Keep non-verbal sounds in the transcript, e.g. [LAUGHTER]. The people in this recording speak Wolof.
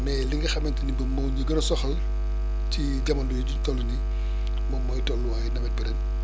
mais li nga xamante ne bi moo ñuy gën a soxal ci jamono yi ñu toll nii [BREATH] moom mooy tolluwaayu nawet bi ren